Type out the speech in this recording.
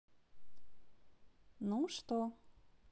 ну что